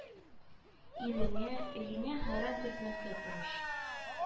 Илеңә, өеңә хәрәм кертмәскә тырыш